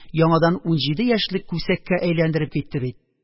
Яңадан унҗиде яшьлек күсәккә әйләндереп китте бит